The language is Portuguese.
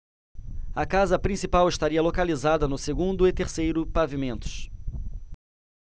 a casa principal estaria localizada no segundo e terceiro pavimentos